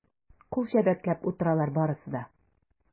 Кул чәбәкләп утыралар барысы да.